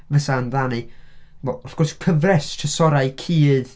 Fysa'n dda neud... wel, wrth gwrs, cyfres Trysorau Cudd...